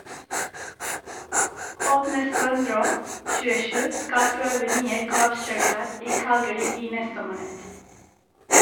Ådne Søndrål (27) skal prøve nye klappskøyter i Calgary i neste måned.